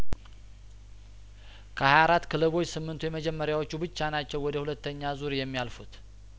ከሀያ አራት ክለቦች ስምንቱ የመጀመሪያዎቹ ብቻ ናቸው ወደ ሁለተኛ ዙር የሚያልፉት